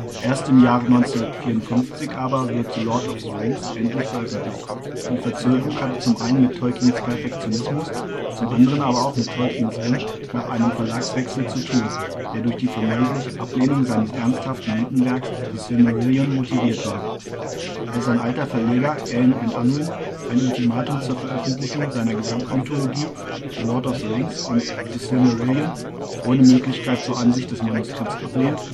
im Jahre 1954 aber wird The Lord of the Rings endlich veröffentlicht. Die Verzögerung hatte zum einen mit Tolkiens Perfektionismus, zum anderen aber auch mit Tolkiens Wunsch nach einem Verlagswechsel zu tun, der durch die vermeintliche Ablehnung seines ernsthaften Mythenwerkes The Silmarillion motiviert war. Als sein alter Verleger Allen&Unwin ein Ultimatum zur Veröffentlichung seiner Gesamtmythologie (The Lord of the Rings und The Silmarillion) ohne Möglichkeit zur Ansicht des Manuskripts ablehnt